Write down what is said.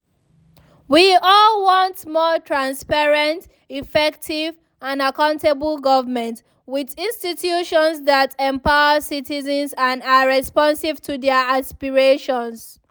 We all want more transparent, effective and accountable governments — with institutions that empower citizens and are responsive to their aspirations.